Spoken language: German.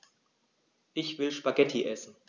Ich will Spaghetti essen.